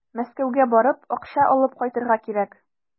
Мәскәүгә барып, акча алып кайтырга кирәк.